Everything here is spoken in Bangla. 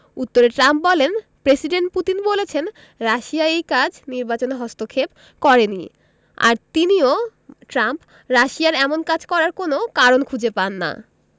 উত্তরে ট্রাম্প বললেন প্রেসিডেন্ট পুতিন বলেছেন রাশিয়া এই কাজ নির্বাচনে হস্তক্ষেপ করেনি আর তিনিও ট্রাম্প রাশিয়ার এমন কাজ করার কোনো কারণ খুঁজে পান না